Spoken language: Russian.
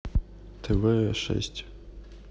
тв шесть